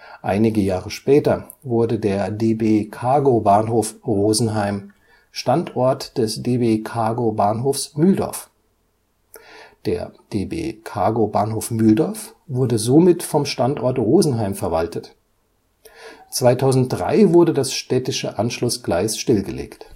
Einige Jahre später wurde der DB-Cargo-Bahnhof Rosenheim Standort des DB-Cargo-Bahnhofs Mühldorf. Der DB-Cargo-Bahnhof Mühldorf wurde somit vom Standort Rosenheim verwaltet. 2003 wurde das städtische Anschlussgleis stillgelegt